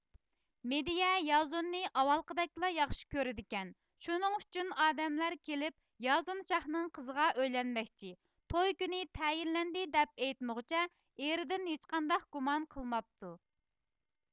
مېدېيە يازوننى ئاۋۋالقىدەكلا ياخشى كۆرىدىكەن شۇنىڭ ئۈچۈن ئادەملەر كېلىپ يازون شاھنىڭ قىزىغا ئۆيلەنمەكچى توي كۈن تەيىنلەندى دەپ ئېيتمىغۇچە ئېرىدىن ھېچقانداق گۇمان قىلماپتۇ